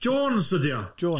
Jones ydy o. Jones.